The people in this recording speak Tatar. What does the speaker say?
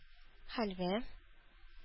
Хәлвә